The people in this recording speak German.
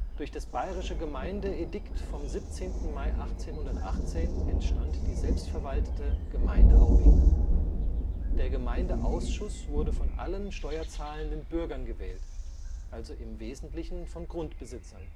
Durch das bayerische Gemeindeedikt vom 17. Mai 1818 entstand die selbstverwaltete Gemeinde Aubing. Der Gemeindeausschuss wurde von allen steuerzahlenden Bürgern gewählt, also im Wesentlichen von Grundbesitzern